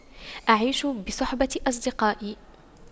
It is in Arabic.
أعيش بصحبة أصدقائي